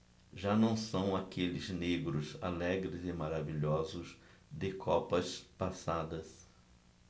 já não são aqueles negros alegres e maravilhosos de copas passadas